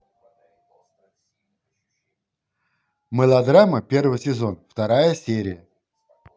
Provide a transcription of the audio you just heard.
мылодрама первый сезон вторая серия